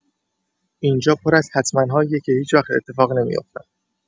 اینجا پر از «حتما» هاییه که هیچ‌وقت اتفاق نمی‌افتن.